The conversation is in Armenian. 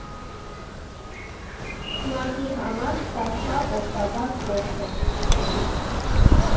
Սկսնակի համար սա շատ օգտակար փորձ էր։